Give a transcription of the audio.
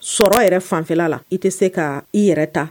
Sɔrɔ yɛrɛ fanfɛla la i tɛ se ka i yɛrɛ ta